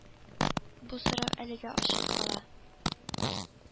Бу сорау әлегә ачык кала